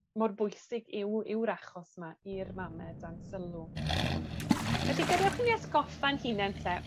mor bwysig yw yw'r achos 'ma i'r mame dan sylw. Felly gadwch i ni atgoffa'n hunan 'te